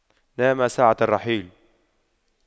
نام ساعة الرحيل